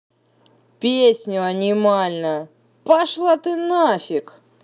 песню анимально пошла ты нафиг